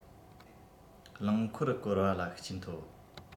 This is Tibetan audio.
རླངས འཁོར བསྐོར བ ལ ཤུགས རྐྱེན ཐོབ